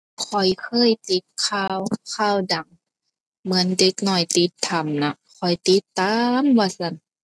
ข้อยเคยติดข่าว ข่าวดังเหมือนเด็กน้อยติดถ้ำน่ะ ข้อยติดตามว่าซั้น